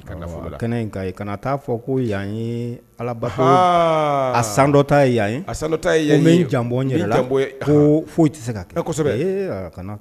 Ka kana t'a fɔ ko yan ye ala a san dɔ ta yan a san ta janɔn ko foyi tɛ se ka kɛ kosɛbɛ